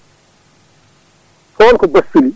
toon ko Dias suuɓi